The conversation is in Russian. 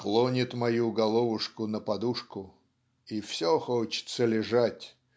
"клонит мою головушку на подушку" и "все хочется лежать"